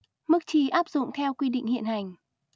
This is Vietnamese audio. mức chi áp dụng theo quy định hiện hành